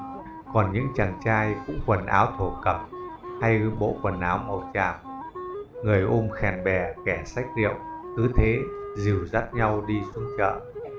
còn những chàng trai cũng quần áo thổ cẩm hay bộ quần áo màu chàm người ôm kèn bè kẻ xách rượu cứ thế dìu dắt nhau đi xuống chợ